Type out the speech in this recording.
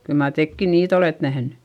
kyllä mar tekin niitä olette nähnyt